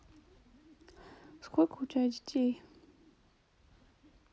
сколько у тебя детей